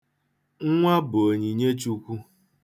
Nnwa bụ onyinye Chukwu.